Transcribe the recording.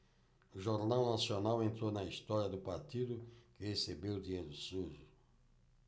o jornal nacional entrou na história do partido que recebeu dinheiro sujo